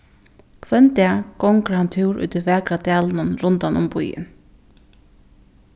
hvønn dag gongur hann túr í tí vakra dalinum rundan um býin